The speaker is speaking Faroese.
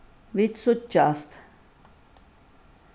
vit síggjast